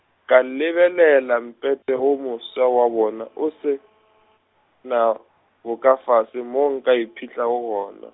ka lebelela Mpete wo mofsa ka bona o se, na bokafase mo nka iphihlago gona.